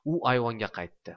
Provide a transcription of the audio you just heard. u ayvonga qaytdi